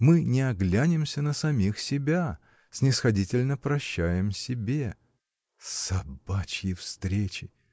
Мы не оглянемся на самих себя, снисходительно прощаем себе. собачьи встречи!.